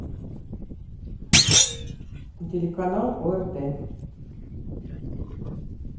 телеканал орт